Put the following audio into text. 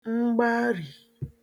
mgbarì